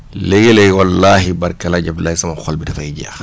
léegi-léegi wallaahi barke El Hadj Abdoulaye sama xol bi dafay jeex